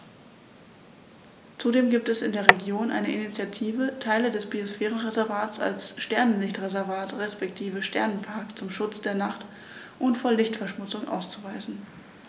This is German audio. Zudem gibt es in der Region eine Initiative, Teile des Biosphärenreservats als Sternenlicht-Reservat respektive Sternenpark zum Schutz der Nacht und vor Lichtverschmutzung auszuweisen.